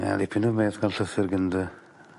mae o dipyn o beth ga'l llythyr gen dy